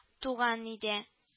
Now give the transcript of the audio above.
Туган иде